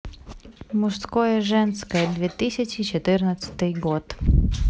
мужское женское две тысячи четырнадцатый год